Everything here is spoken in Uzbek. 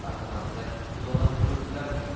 ba'zi ba'zida xudodan o'lim tilab